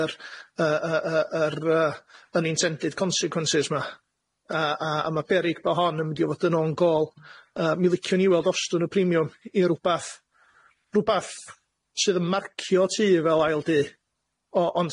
yr yy yy yr yy unintended consequences ma' yy a a ma' berig bo' hon yn mynd i fod yn on go'l yy mi liciwn i weld ostwn y premium i rwbath rwbath sydd yn marcio tŷ fel ail dŷ o- ond